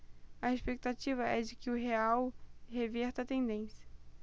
a expectativa é de que o real reverta a tendência